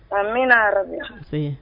A bɛna arabi